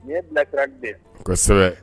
Nin ye bilasirara bilen kosɛbɛ